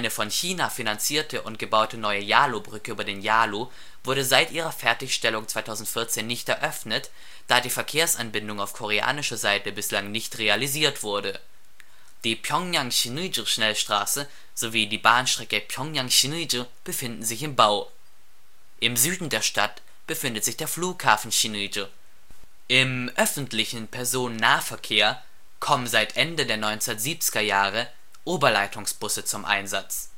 von China finanzierte und gebaute Neue Yalubrücke über den Yalu wurde seit ihrer Fertigstellung 2014 nicht eröffnet, da die Verkehrsanbindung auf koreanischer Seite bislang nicht realisiert wurde. Die Pjöngjang-Sinŭiju-Schnellstraße sowie die Bahnstrecke Pjöngjang – Sinŭiju befinden sich im Bau. Im Süden der Stadt befindet sich der Flughafen Sinŭiju. Im Öffentlichen Personennahverkehr kommen seit Ende der 1970er Jahre Oberleitungsbusse zum Einsatz